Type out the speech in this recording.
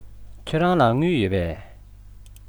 ཁྱེད རང ལ དངུལ ཡོད པས